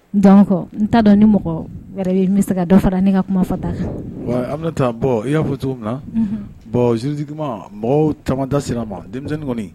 Dɔn kɔ n taa dɔn ni mɔgɔ yɛrɛ bɛ bɛ se ka dɔra ne ka kumafata an bɛna taa bɔn i y'a fɔ cogo min na bɔn sdikiman mɔgɔw tama da sira ma denmisɛnnin kɔni